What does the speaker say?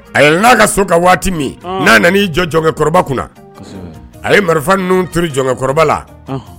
Aɛlɛn n'a ka so ka waati min n'a nana'i jɔ jɔnɔnkɛ kɔrɔ kunna a ye marifa ninnu to jɔnkɛ kɔrɔba la